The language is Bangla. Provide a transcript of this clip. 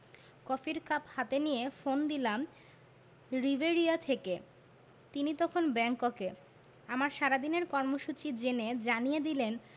কফির কাপ হাতেই নিয়ে ফোন দিলাম রিভেরিয়া থেকে তিনি তখন ব্যাংককে আমার সারাদিনের কর্মসূচি জেনে জানিয়ে দিলেন